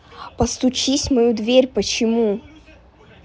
постучись в мою дверь почему